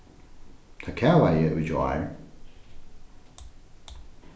tað kavaði í gjár